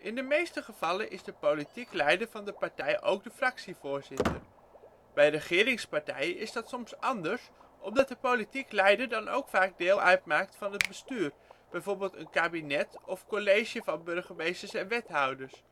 de meeste gevallen is de politiek leider van de partij ook de fractievoorzitter. Bij regeringspartijen is dat soms anders omdat de politiek leider dan ook vaak deel uitmaakt van het bestuur (bijvoorbeeld een kabinet of College van Burgemeester en Wethouders